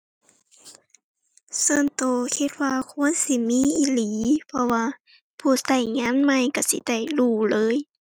ส่วนตัวคิดว่าควรสิมีอีหลี เพราะว่าผู้ตัวงานใหม่ตัวสิได้รู้เลย